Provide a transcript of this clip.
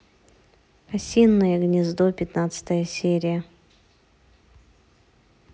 осиное гнездо пятнадцатая серия